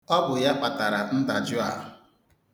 Ọ bụ ya kpatara ndajụ a.